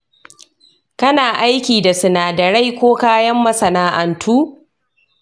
kana aiki da sinadarai ko kayan masana’antu?